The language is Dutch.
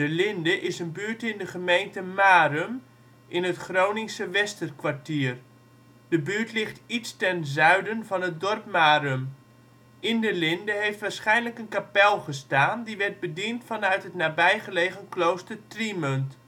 Linde is een buurt in de gemeente Marum in het Groningse Westerkwartier. De buurt ligt iets ten zuiden van het dorp Marum. In De Linde heeft waarschijnlijk een kapel gestaan die werd bediend vanuit het nabijgelegen klooster Trimunt